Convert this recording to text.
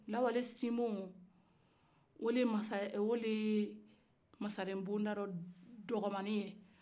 lawalesinbu o de ye masa-o de ye masaren boda la dɔgɔmani ye